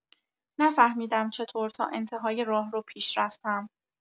نفهمیدم چطور تا انت‌های راهرو پیش رفتم.